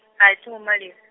ha yi tho ngo maliwa.